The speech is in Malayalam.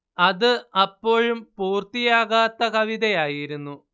അത് അപ്പോഴും പൂർത്തിയാകാത്ത കവിതയായിരുന്നു